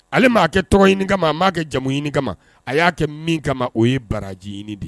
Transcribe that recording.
Ale maa kɛ tɔgɔɲ kama a m'a kɛ jamu ɲini kama a y'a kɛ min kama o ye baraji ɲini de ye